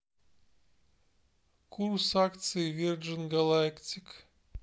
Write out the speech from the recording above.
курс акций верджин галэктик